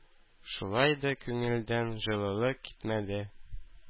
Шулай да күңелдән җылылык китмәде.